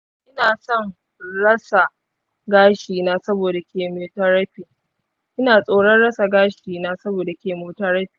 ina tsoron rasa gashi na saboda chemotherapy.